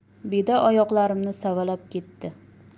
beda oyoqlarimni savalab ketti